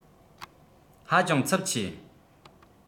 ཧ ཅང འཚུབ ཆེ